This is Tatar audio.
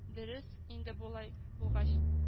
Дөрес инде болай булгач